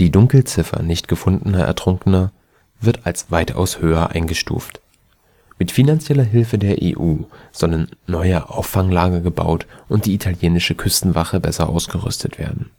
Dunkelziffer nicht gefundener Ertrunkener wird als weitaus höher eingestuft. Mit finanzieller Hilfe der EU sollen neue Auffanglager gebaut und die italienische Küstenwache besser ausgerüstet werden